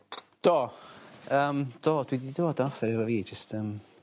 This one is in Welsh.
D yym do dwi 'di dod â offer efo fi jyst yym...